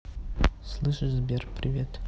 слышишь сбер привет